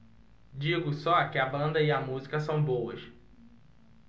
digo só que a banda e a música são boas